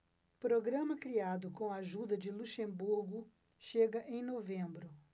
programa criado com a ajuda de luxemburgo chega em novembro